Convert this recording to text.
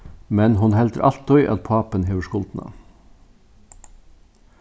men hon heldur altíð at pápin hevur skuldina